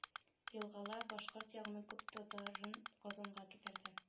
Елгалар башкорт ягының күп татарын казанга китерде